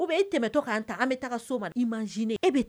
Ou bien i tɛmɛ tɔ k'an taa, an bɛ ta ka so man, imanginé ou bien